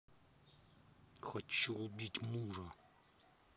хочу убить мужа